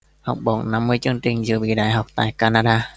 học bổng năm mươi chương trình dự bị đại học tại canada